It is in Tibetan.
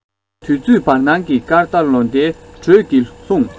དུས ཚོད བར སྣང གི སྐར མདའ ལོ ཟླའི འགྲོས ཀྱིས ལྷུང